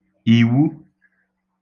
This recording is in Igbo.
ìwu